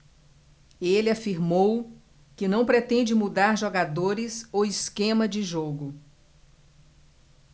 ele afirmou que não pretende mudar jogadores ou esquema de jogo